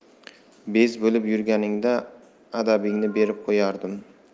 bez bo'lib yurganingda adabingni berib qo'yardim